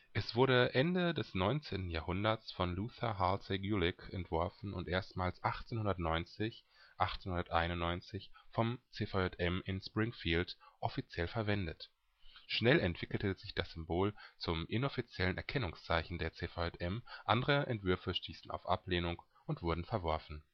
Es wurde Ende des 19. Jahrhunderts von Luther Halsey Gulick entworfen und erstmals 1890 / 1891 vom CVJM in Springfield offiziell verwendet. Schnell entwickelte sich das Symbol zum inoffiziellen Erkennungszeichen der CVJM, andere Entwürfe stießen auf Ablehnung und wurden verworfen